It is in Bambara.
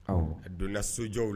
Awɔ, a donna sojɔw la